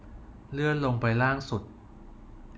เลื่อนลงไปล่างสุด